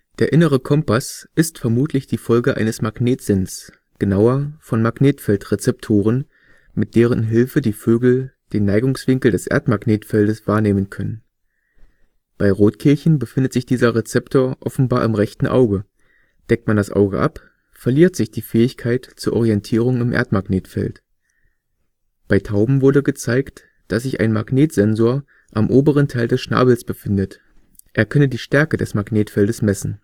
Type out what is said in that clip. innere Kompass “ist vermutlich die Folge eines Magnetsinns, genauer: von Magnetfeld-Rezeptoren, mit deren Hilfe die Vögel den Neigungswinkel des Erdmagnetfeldes wahrnehmen können. Bei Rotkehlchen befindet sich dieser Rezeptor offenbar im rechten Auge: Deckt man das Auge ab, verlieren sie die Fähigkeit zur Orientierung im Erdmagnetfeld. Bei Tauben wurde gezeigt, dass sich ein Magnet-Sensor am oberen Teil des Schnabels befindet; er könne die Stärke des Magnetfeldes messen